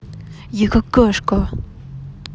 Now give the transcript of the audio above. я какашка